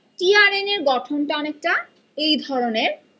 টি R এর গঠন টা অনেকটা এই ধরনের